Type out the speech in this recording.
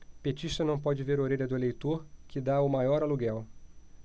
petista não pode ver orelha de eleitor que tá o maior aluguel